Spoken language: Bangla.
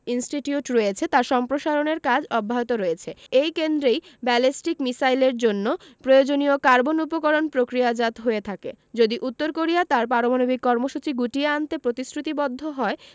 ইনস্টিটিউট রয়েছে তার সম্প্রসারণের কাজ অব্যাহত রয়েছে এই কেন্দ্রেই ব্যালিস্টিক মিসাইলের জন্য প্রয়োজনীয় কার্বন উপকরণ প্রক্রিয়াজাত হয়ে থাকে যদি উত্তর কোরিয়া তার পারমাণবিক কর্মসূচি গুটিয়ে আনতে প্রতিশ্রুতিবদ্ধ হয়